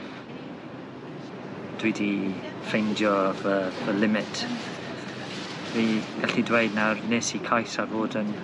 Dwi 'di ffeindio fy fy limit fi gallu dweud nawr wnes i cais ar fod yn